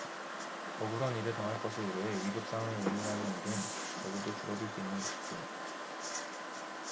억울한 일을 당할 것을 우려해 위급상황을 외면하는 일은 적어도 줄어들 수 있는 것이죠